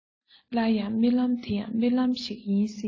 སླར ཡང རྨི ལམ དེ ཡང རྨི ལམ ཞིག ཡིན སྲིད དམ